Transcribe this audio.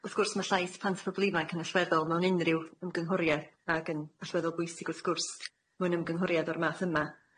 Wrth gwrs ma' llais plant a pobol ifanc yn allweddol mewn unrhyw ymgynghoriad, ag yn allweddol bwysig wrth gwrs mewn ymgynghoriad o'r math yma.